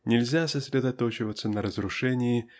нельзя сосредоточиваться на разрушении